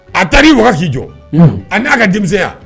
A taara ni jɔ a n'a ka denmisɛnya